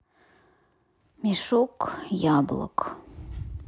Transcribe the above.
мешок яблок